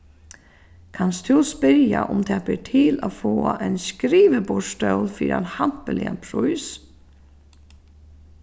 kanst tú spyrja um tað ber til at fáa ein skriviborðsstól fyri ein hampiligan prís